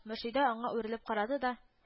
Мөршидә аңа үрелеп карады да: